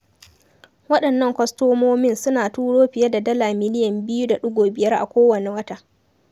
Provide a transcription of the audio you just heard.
Waɗannan kwastomomin suna turo fiye da Dala miliyan 2.5 a kowane wata.